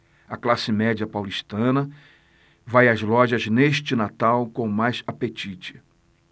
a classe média paulistana vai às lojas neste natal com mais apetite